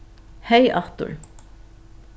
hey aftur